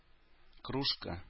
Кружка